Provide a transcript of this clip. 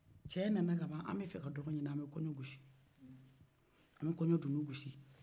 cɛ nana ka ban an bɛ fɛ ka dɔgɔ ɲini an bɛ kɔɲɔ gosi an bɛ kɔɲɔ dununba gosi